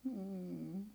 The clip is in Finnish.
mm